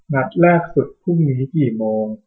นัดแรกสุดพรุ่งนี้กี่โมง